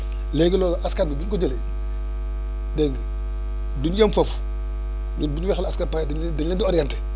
léegi loolu askan bi bu ñu ko jëlee dégg nga duñ yem foofu ñun bu ñu waxalee askan wi ba pare dañu leen dañu leen di orienté